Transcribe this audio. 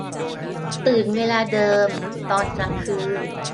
ตื่นเวลาเดิมตอนกลางคืน